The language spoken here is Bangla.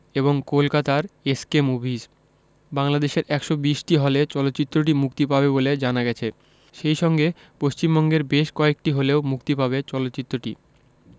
এবং কলকাতার এস কে মুভিজ বাংলাদেশের ১২০টি হলে চলচ্চিত্রটি মুক্তি পাবে বলে জানা গেছে সেই সঙ্গে পশ্চিমবঙ্গের বেশ কয়েকটি হলেও মুক্তি পাবে চলচ্চিত্রটি